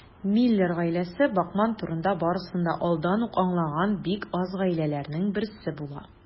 Миллер гаиләсе Бакман турында барысын да алдан ук аңлаган бик аз гаиләләрнең берсе була.